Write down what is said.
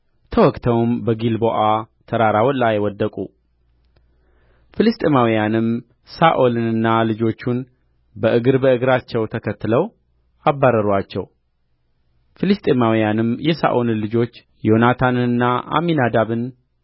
ተወግተውም በጊልቦአ ተራራ ላይ ወደቁ ፍልስጥኤማውያንም ሳኦልንና ልጆቹን በእግር በእግራቸው ተከትለው አባረሩአቸው ፍልስጥኤማውያንም የሳኦልን ልጆች ዮናታንንና አሚናዳብን